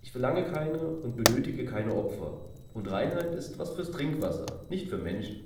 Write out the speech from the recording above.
Ich verlange keine und benötige keine Opfer. Und Reinheit ist was für Trinkwasser, nicht für Menschen